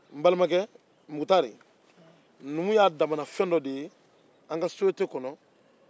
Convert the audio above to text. n balimakɛ mukutari numu y'a damana fɛn dɔ de ye an ka sosiyete kɔnɔ